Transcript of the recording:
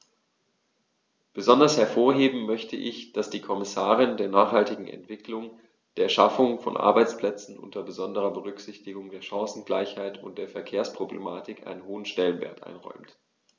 Besonders hervorheben möchte ich, dass die Kommission der nachhaltigen Entwicklung, der Schaffung von Arbeitsplätzen unter besonderer Berücksichtigung der Chancengleichheit und der Verkehrsproblematik einen hohen Stellenwert einräumt.